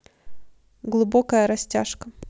глубокая растяжка